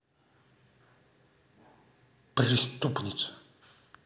преступница